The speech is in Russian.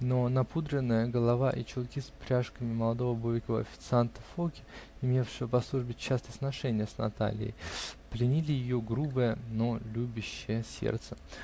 Но напудренная голова и чулки с пряжками молодого бойкого официанта Фоки, имевшего по службе частые сношения с Натальей, пленили ее грубое, но любящее сердце.